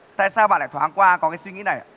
tại sao bạn lại thoáng qua có cái suy nghĩ này